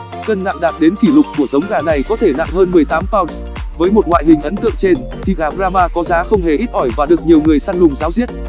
cân nặng đạt đến kỷ lục của giống gà này có thể nặng hơn pounds với một ngoại hình ấn tượng trên thì gà brahma có giá không hề ít ỏi và được nhiều người săn lùng ráo riết